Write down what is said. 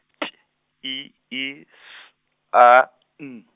T I I S A N.